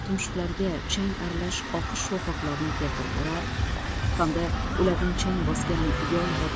tumshuqlariga chang aralash oqish sho'rxoklarni keltirib urar hamda ularning chang bosgan yol va